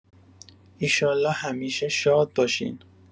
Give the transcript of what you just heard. ایشالا همیشه شاد باشین